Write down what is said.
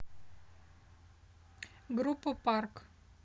группа парк